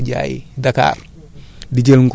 di jël ñebe ji di ko jaay i Dakar